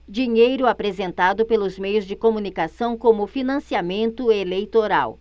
dinheiro apresentado pelos meios de comunicação como financiamento eleitoral